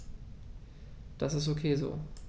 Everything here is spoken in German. Das ist ok so.